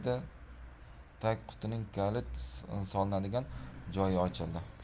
tagqutining kalit solinadigan joyi ochildi